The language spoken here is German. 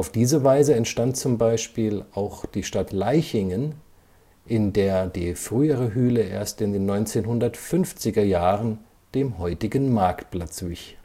diese Weise entstand z. B. auch die Stadt Laichingen, in der die frühere Hüle erst in den 1950er-Jahren dem heutigen Marktplatz wich